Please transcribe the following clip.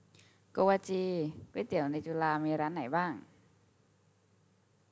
โกวาจีก๋วยเตี๋ยวในจุฬามีร้านไหนบ้าง